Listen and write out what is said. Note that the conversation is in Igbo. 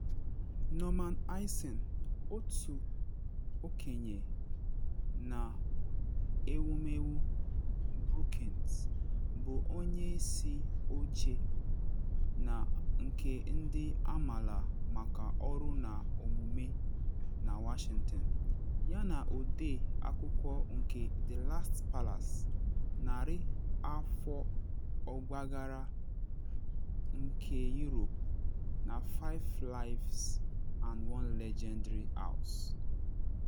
Norman Eisen, otu okenye na Ewumewu Brookings, bụ onye isi oche nke Ndị Amaala maka Ọrụ na Omume na Washington yana ọdee akwụkwọ nke “The Last Palace: Narị Afọ Ọgbaghara nke Europe na Five Lives and One Legendary House.”